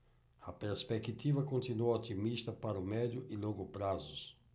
a perspectiva continua otimista para o médio e longo prazos